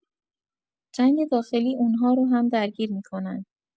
جنگ داخلی اون‌ها رو هم درگیر می‌کنن